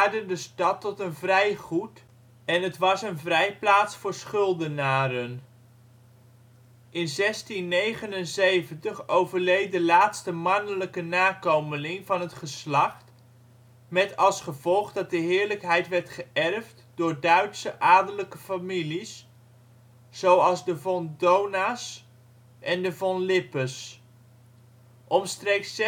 de stad tot een vrij goed, en was het een vrijplaats voor schuldenaren. In 1679 overleed de laatste mannelijke nakomeling van het geslacht, met als gevolg dat de heerlijkheid werd geërfd door Duitse adellijke families, zoals de Von Dohna 's en de Von Lippe 's. Omstreeks